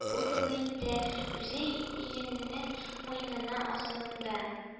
Бу юлы инде үзе ирененең муенына асылынды